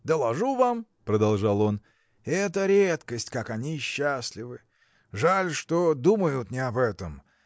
– Доложу вам, – продолжал он, – это редкость, как они счастливы! Жаль что думают не об этом